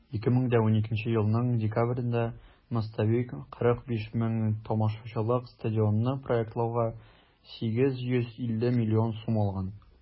2012 елның декабрендә "мостовик" 45 мең тамашачылык стадионны проектлауга 850 миллион сум алган.